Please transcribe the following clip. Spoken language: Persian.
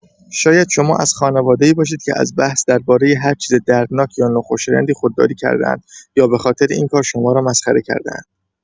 شاید شما از خانواده‌ای باشید که از بحث درباره هر چیز دردناک یا ناخوشایندی خودداری کرده‌اند یا به‌خاطر این کار شما را مسخره کرده‌اند.